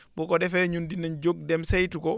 bu ko defee ñun dinañ jóg dem saytu ko